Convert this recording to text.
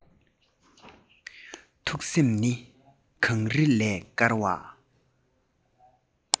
ཐུགས སེམས ནི གངས རི ལས དཀར བ